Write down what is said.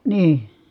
niin